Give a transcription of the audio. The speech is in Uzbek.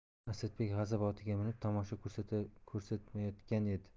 asadbek g'azab otiga minib tomosha ko'rsatmayotgan edi